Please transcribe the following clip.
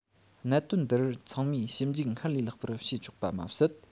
གནད དོན འདིར ཚང མས ཞིབ འཇུག སྔར ལས ལྷག པར བྱས ཆོག པ མ ཟད